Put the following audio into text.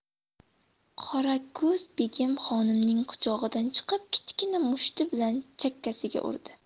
qorako'z begim xonimning quchog'idan chiqib kichkina mushti bilan chakkasiga urdi